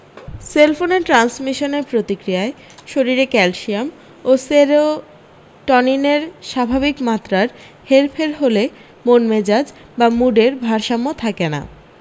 সেলফোনের ট্র্যান্সমিশনের প্রতিক্রিয়ায় শরীরে ক্যালশিয়াম ও সেরোটনিনের স্বাভাবিক মাত্রার হেরফের হলে মনমেজাজ বা মুডের ভারসাম্য থাকে না